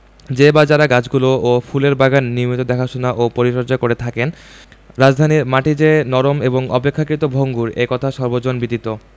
যে বা যারা গাছগুলো ও ফুলের বাগান নিয়মিত দেখাশোনা ও পরিচর্যা করে থাকেন রাজধানীর মাটি যে নরম এবং অপেক্ষাকৃত ভঙ্গুর এ কথা সর্বজনবিদিত